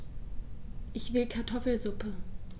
Ich will Kartoffelsuppe.